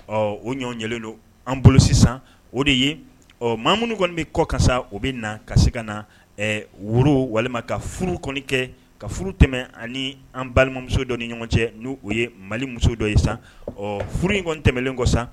Ɔ o ɲɔgɔnylen don an bolo sisan o de ye ɔ maa minnu kɔni bɛ kɔ ka o bɛ na ka se ka na woro walima ka furu kɔni kɛ ka furu tɛmɛn ani an balimamuso dɔ ni ɲɔgɔn cɛ n' u ye mali muso dɔ ye san ɔ furu in kɔn tɛmɛnen kɔ san